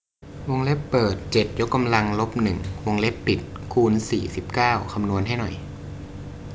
วงเล็บเปิดเจ็ดยกกำลังลบหนึ่งวงเล็บปิดคูณสี่สิบเก้าคำนวณให้หน่อย